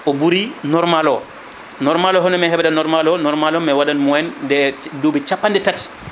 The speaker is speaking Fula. ko ɓuuri normal o normal o hono min heɓrata normal min waɗat moyenne des duuɓi capanɗe tati